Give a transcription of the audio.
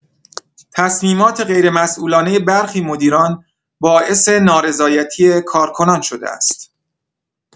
تصمیمات غیرمسئولانه برخی مدیران باعث نارضایتی کارکنان شده است.